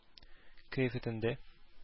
Кыяфәтендә